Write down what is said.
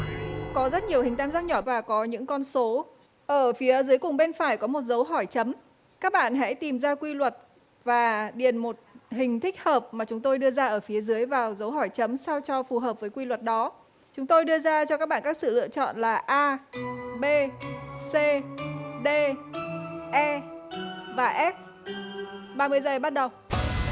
có rất nhiều hình tam giác nhỏ và có những con số ở phía dưới cùng bên phải có một dấu hỏi chấm các bạn hãy tìm ra quy luật và điền một hình thích hợp mà chúng tôi đưa ra ở phía dưới vào dấu hỏi chấm sao cho phù hợp với quy luật đó chúng tôi đưa ra cho các bạn các sự lựa chọn là a bê xê xê đê e và ép ba mươi giây bắt đầu